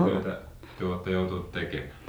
työtä te olette joutunut tekemään